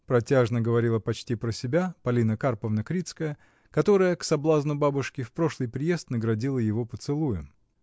— протяжно говорила почти про себя Полина Карповна Крицкая, которая, к соблазну бабушки, в прошлый приезд наградила его поцелуем.